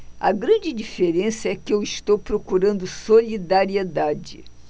a grande diferença é que eu estou procurando solidariedade